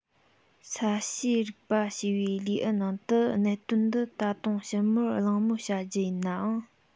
ས གཤིས རིག པ ཞེས པའི ལེའུ ནང དུ གནད དོན འདི ད དུང ཞིབ མོར གླེང མོལ བྱ རྒྱུ ཡིན ནའང